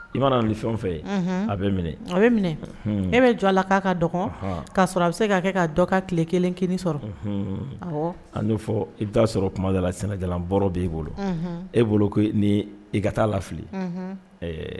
I mana ni fɛn fɛ yen a bɛ minɛ a bɛ minɛ e bɛ jɔ a la k'a ka dɔn k'a sɔrɔ a bɛ se k'a kɛ ka dɔka tile kelen kelen sɔrɔ ani fɔ i bɛ'a sɔrɔ kuma dala la sinajaɔr b'i bolo e bolo ko ni i ka t taa lafi fili ɛɛ